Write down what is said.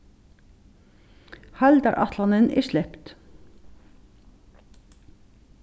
heildarætlanin er slept